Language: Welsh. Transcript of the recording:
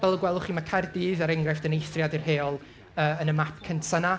Fel y gwelwch chi, ma' Caerdydd, er enghraifft, yn eithriad i'r rheol yy yn y map cynta 'na.